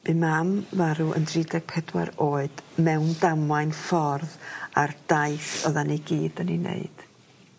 Bu mam farw yn tri deg pedwar oed mewn damwain ffordd ar daith oddan ni gyd yn 'i neud.